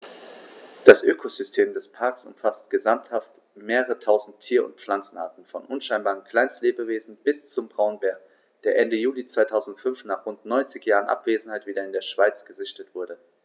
Das Ökosystem des Parks umfasst gesamthaft mehrere tausend Tier- und Pflanzenarten, von unscheinbaren Kleinstlebewesen bis zum Braunbär, der Ende Juli 2005, nach rund 90 Jahren Abwesenheit, wieder in der Schweiz gesichtet wurde.